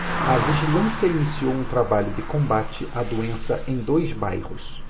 a vigilância iniciou um trabalho de combate à doença em dois bairros